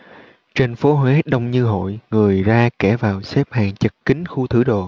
trên phố huế đông như hội người ra kẻ vào xếp hàng chật kín khu thử đồ